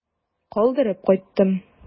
Калдырып кайттым.